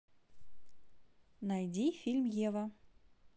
найди фильм ева